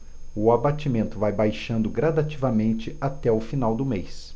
o abatimento vai baixando gradativamente até o final do mês